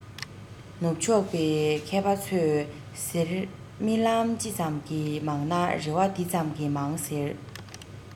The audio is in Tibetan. ནུབ ཕྱོགས པའི མཁས པ ཚོས ཟེར རྨི ལམ ཅི ཙམ གྱིས མང ན རེ བ དེ ཙམ གྱིས མང ཟེར